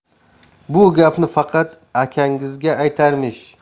bu gapini faqat akangizga aytarmish